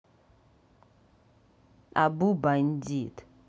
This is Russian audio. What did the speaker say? абу бандит